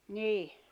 niin